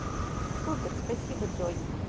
супер спасибо джой